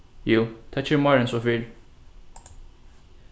jú tað kemur meira enn so fyri